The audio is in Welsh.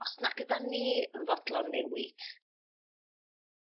Os nac ydan ni yn fodlon newit